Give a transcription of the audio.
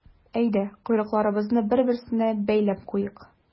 Әйдә, койрыкларыбызны бер-берсенә бәйләп куйыйк.